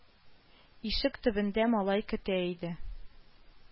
Ишек төбендә малай көтә иде